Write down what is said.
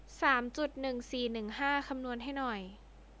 สามจุดหนึ่งสี่หนึ่งห้าคำนวณให้หน่อย